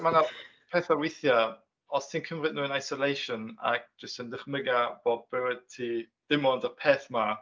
Ma' 'na petha weithiau os ti'n cymryd nhw yn isolation a jyst yn dychmygu bod bywyd ti ddim ond y peth 'ma.